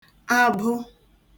abụ